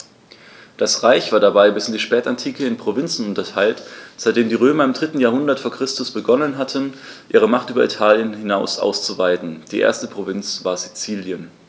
Das Reich war dabei bis in die Spätantike in Provinzen unterteilt, seitdem die Römer im 3. Jahrhundert vor Christus begonnen hatten, ihre Macht über Italien hinaus auszuweiten (die erste Provinz war Sizilien).